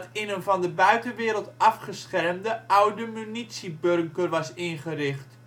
in een van de buitenwereld afgeschermde oude munitiebunker was ingericht